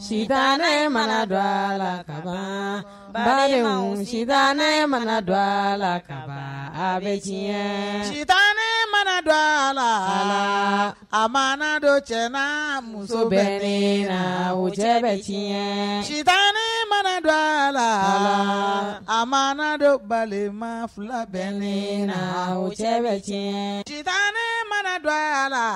Sita ne mana dɔ a la taga ba sita ne mana dɔ a la taga bɛ jiginɲɛ cita ne mana don a la a ma dɔ cɛ muso bɛ cɛ bɛɲɛ cita ne mana dɔ a la a ma dɔbalima fila bɛ ne na cɛ tiɲɛ ci tan ne mana don a la